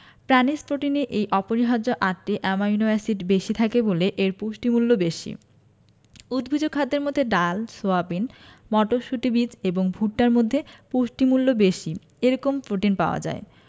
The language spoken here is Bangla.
প্রাণিজ প্রোটিনে এই অপরিহার্য আটটি অ্যামাইনো এসিড বেশি থাকে বলে এর পুষ্টিমূল্য বেশি উদ্ভিজ্জ খাদ্যের মধ্যে ডাল সয়াবিন মটরশুটি বীজ এবং ভুট্টার মধ্যে পুষ্টিমূল্য বেশি এরকম প্রোটিন পাওয়া যায়